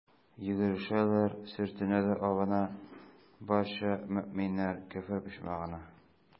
Йөгерешәләр, сөртенә дә абына, барча мөэминнәр «Көфер почмагы»на.